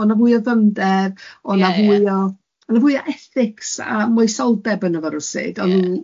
O' na fwy o ddyfnder o' 'na fwy o o' 'na fwy o ethics a moesoldeb yno fo rywsud.